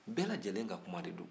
bɛɛ lajɛlen ka kuma de don